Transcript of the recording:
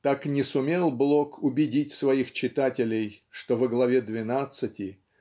Так не сумел Блок убедить своих читателей что во главе двенадцати